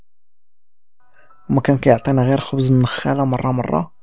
ممكن تعطيني غير خبز النخاله مره مره